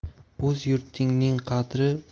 o'z yurtingning qadri